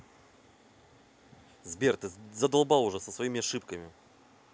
сбер ты задолбал уже со своими ошибками